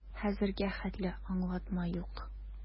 Хәзергә хәтле аңлатма юк.